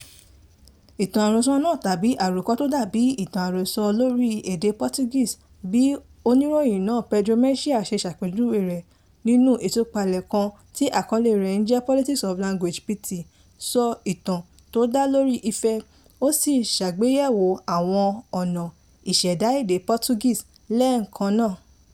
Ìtàn àròsọ náà - tàbí "àrọko tó dàbí ìtàn àròsọ̀ lórí èdè Portuguese", bí Oníròyìn náà Pedro Mexia ṣe ṣàpèjúwe rẹ̀ nínú ìtúpalẹ̀ kan tí àkọlé rẹ ń jẹ́ Politics of Language [pt] - sọ ìtàn tó dá lórí ìfẹ́, ó sì ṣàgbéyẹ̀wò àwọn ọ̀nà ìṣẹ̀dá èdè Portuguese lẹ́ẹ̀kan náà.